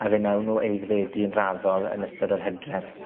a fe newn nw aeddfedu yn raddol yn ystod yr Hydref.